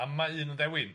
A ma' un yn ddewin?